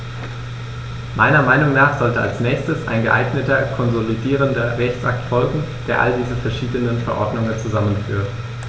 Meiner Meinung nach sollte als nächstes ein geeigneter konsolidierender Rechtsakt folgen, der all diese verschiedenen Verordnungen zusammenführt.